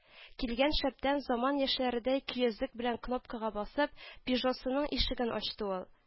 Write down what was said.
Килгән шәптән, заман яшьләредәй көязлек белән кнопкага басып, «Пежосының ишеген ачты ул